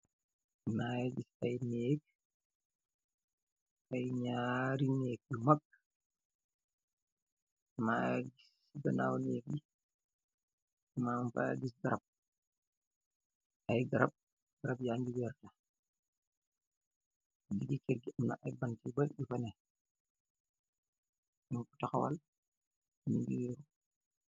Gis naa ay neek, ñaari neek yu mac. Maa ngee gis si ganaaw neek bi, ay garab, garab yaa ngi werta, si biir kër gi, am na bantë yu bari yu fa neekë ñu taxawal.